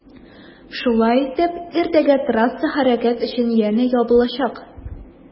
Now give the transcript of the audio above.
Шулай итеп иртәгә трасса хәрәкәт өчен янә ябылачак.